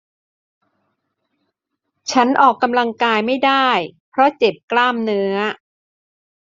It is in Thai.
ฉันออกกำลังกายไม่ได้เพราะเจ็บกล้ามเนื้อ